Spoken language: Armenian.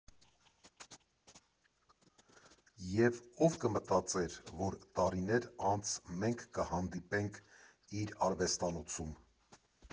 Եվ ո՞վ կմտածեր, որ տարիներ անց մենք կհանդիպեինք իր արվեստանոցում։